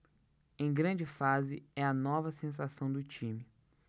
em grande fase é a nova sensação do time